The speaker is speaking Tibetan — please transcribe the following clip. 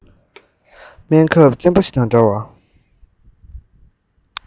སྨན ཁབ བཙན པོ ཞིག དང འདྲ བར